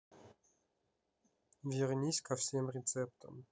вернись ко всем рецептам